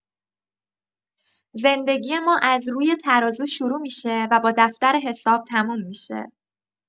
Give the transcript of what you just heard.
زندگی ما از روی ترازو شروع می‌شه و با دفتر حساب تموم می‌شه.